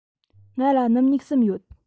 ང ལ སྣུམ སྨྱུག གསུམ ཡོད